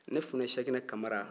ne funɛ siyɛkinɛ kamara